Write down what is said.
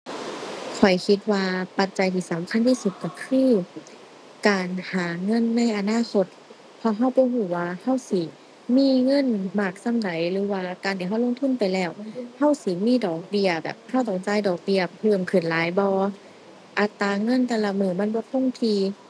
ข้อยคิดว่าปัจจัยที่สำคัญที่สุดก็คือการหาเงินในอนาคต เพราะก็บ่ก็ว่าก็สิมีเงินมากส่ำใด หรือว่าการที่ก็ลงทุนไปแล้วก็สิมีดอกเบี้ย แบบ ก็ต้องจ่ายดอกเบี้ยเพิ่มขึ้นหลายบ่ อัตราเงินแต่ละมื้อมันบ่คงที่